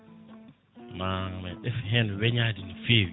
mami ɗef hen weñade no fewi